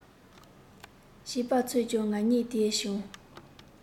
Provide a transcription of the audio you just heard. བྱིས པ ཚོས ཀྱང ང གཉིས དེད བྱུང